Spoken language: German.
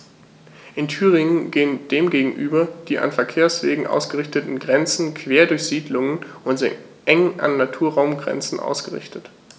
In Thüringen gehen dem gegenüber die an Verkehrswegen ausgerichteten Grenzen quer durch Siedlungen und sind eng an Naturraumgrenzen ausgerichtet.